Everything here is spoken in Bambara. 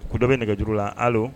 Ku dɔbe nɛgɛjuru la a